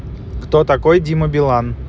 кто такой дима билан